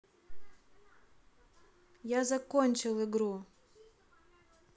я закончил игру